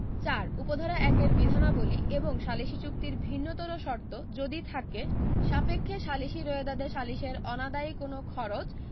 ৪ উপ ধারা ১ এর বিধানাবলী এবং সালিসী চুক্তির বিন্নতর শর্ত যদি থাকে সাপেক্ষে সালিসী রোয়েদাদে সালিসের অনাদারয়ী কোন খরচ